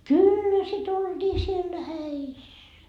kyllä sitä oltiin siellä häissä